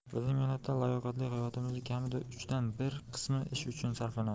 bizning mehnatga layoqatli hayotimizning kamida uchdan bir qismi ish uchun sarflanadi